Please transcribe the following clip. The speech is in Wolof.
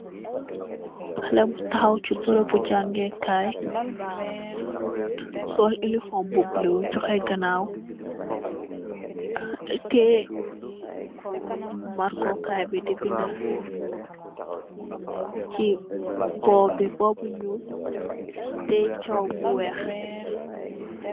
Haleh bu takhaw chi beureubu jaangeh kaii, sol uniform bu bleu jokheh ganaw, tiyeh markoh kaii bii dii binda, chi board bii board bu njull, tiyeh chalk bu wekh.